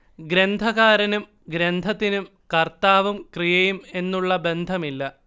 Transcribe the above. ഗ്രന്ഥകാരനും ഗ്രന്ഥത്തിനും കർത്താവും ക്രിയയും എന്നുള്ള ബന്ധമില്ല